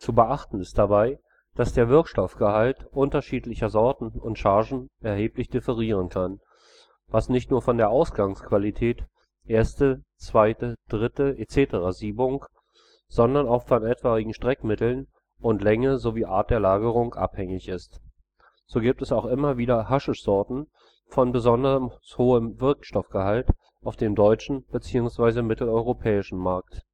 beachten ist dabei, dass der Wirkstoffgehalt unterschiedlicher Sorten und Chargen erheblich differieren kann, was nicht nur von der Ausgangsqualität (1., 2., 3. etc. Siebung), sondern auch von etwaigen Streckmitteln und Länge sowie Art der Lagerung abhängig ist. So gibt es auch immer wieder Haschischsorten von besonders hohem Wirkstoffgehalt auf dem deutschen bzw. mitteleuropäischen Markt